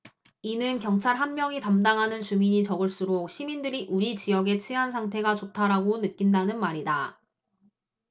이는 경찰 한 명이 담당하는 주민이 적을수록 시민들이 우리 지역의 치안 상태가 좋다라고 느낀다는 말이다